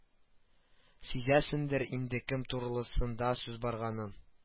Сизәсендер инде кем турлысында сүз барганын